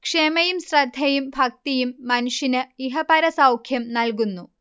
ക്ഷമയും ശ്രദ്ധയും ഭക്തിയും മനുഷ്യന് ഇഹപരസൗഖ്യം നൽകുന്നു